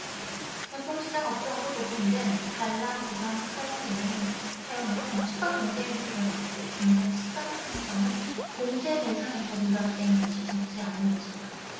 전통시장 업종으로 보기 힘든 단란주점 등의 사용액은 추가 공제 혜택을 받고 정작 시장 상점은 공제 대상에서 누락된 곳이 적지 않은 것이다